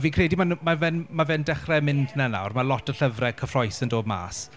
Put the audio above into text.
Fi'n credu ma'n... ma' fe'n ma'n dechrau mynd 'na nawr. Mae lot o llyfrau cyffrous yn dod mas.